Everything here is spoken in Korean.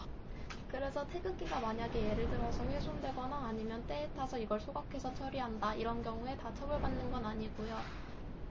그래서 태극기가 만약에 예를 들어서 훼손되거나 아니면 때에 타서 이걸 소각해서 처리한다 이런 경우에 다 처벌받는 건 아니고요